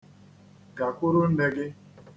Gakwuru nne gị.